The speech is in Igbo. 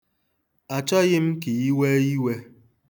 Achọghị m ka i wee iwe.